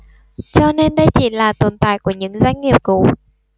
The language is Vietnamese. cho nên đây chỉ là tồn tại của những doanh nghiệp cũ